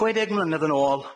Chwe deg mlynedd yn ôl,